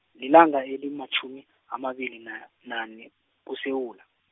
lilanga elimatjhumi, amabili na- nane, kuSewula.